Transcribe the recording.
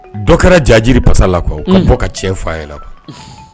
Dɔw kɛra jajiri pasa la kuwa bɔ ka cɛ fa ye la